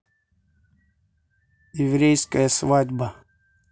еврейская свадьба